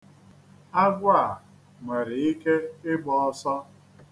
Agwọ a nwere ike ịgba ọsọ.